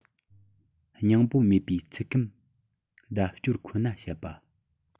སྙིང པོ མེད པའི ཚིག སྐམ ལྡབ སྐྱོར ཁོ ན བཤད པ